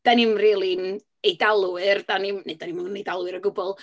Dan ni'm rili'n Eidalwyr. Dan ni'm... neu dan ni'm yn Eidalwyr o gwbl.